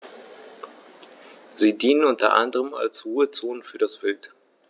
Sie dienen unter anderem als Ruhezonen für das Wild.